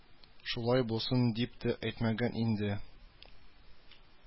Шулай булсын дип тә әйтмәгән инде